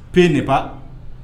P n'est pas